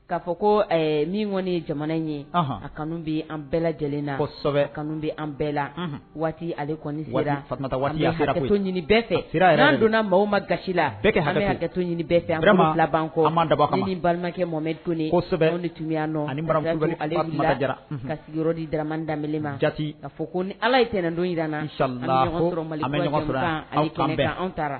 K ka fɔ ko min kɔni nin jamana in ye a kanu bɛ an bɛɛ lajɛlen na kosɛbɛ kanu bɛ an bɛɛ la waati ale bɛɛ fɛ an donna mɔgɔ ma gasi la bɛɛ ha kato ɲini bɛɛ ko balimakɛmɛsɔ kosɛbɛ tunya ka sigiyɔrɔdi damandaɛlɛ ma jate ko ni ala ye tɛnɛndo jira na